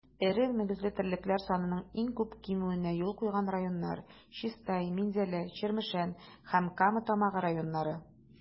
Эре мөгезле терлекләр санының иң күп кимүенә юл куйган районнар - Чистай, Минзәлә, Чирмешән һәм Кама Тамагы районнары.